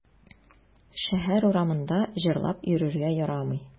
Шәһәр урамында җырлап йөрергә ярамый.